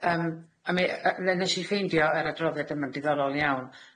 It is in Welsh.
Yym a mi- yy n- nesh i ffeindio yr adroddiad yma'n diddorol iawn.